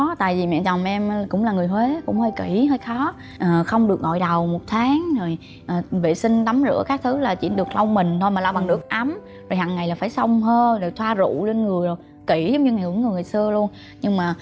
có tại gì mẹ chồng em cũng là người huế cũng hơi kỹ hơi khó ở không được gội đầu một tháng rồi vệ sinh tắm rửa các thứ là chỉ được lau mình thôi mà lau bằng nước ấm rồi hằng ngày là phải xông hơ rồi thoa rượu lên người kỹ như những người xưa luôn nhưng mà